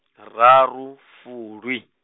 raru fulwi.